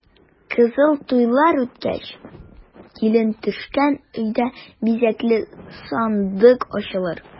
Кызыл туйлар үткәч, килен төшкән өйдә бизәкле сандык ачылыр.